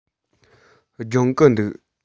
སྦྱོང གི འདུག